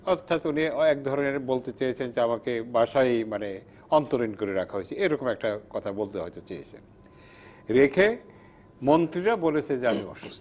অর্থাৎ উনি একজনের বলতে চেয়েছেন যে আমাকে বাসায় অন্তরীণ করে রাখা হয়েছে এরকম একটা কথা হয়তো বলতে চেয়েছেন রেখে মন্ত্রীরা বলেছে যে আমি অসুস্থ